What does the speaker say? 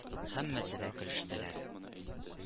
Һәммәсе дә көлештеләр